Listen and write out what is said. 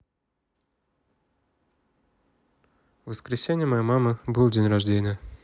в воскресение моей мамы было день рождения